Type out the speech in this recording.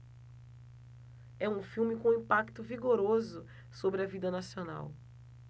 é um filme com um impacto vigoroso sobre a vida nacional